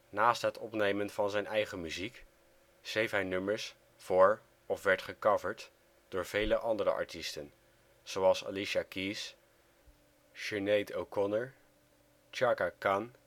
Naast het opnemen van zijn eigen muziek schreef hij nummers voor of werd gecoverd door vele andere artiesten, zoals Alicia Keys, Sinéad O'Connor, Chaka Khan